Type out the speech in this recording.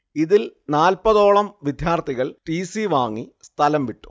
ഇതിൽ നാല്പതോളം വിദ്യാർത്ഥികൾ ടി സി വാങ്ങി സ്ഥലം വിട്ടു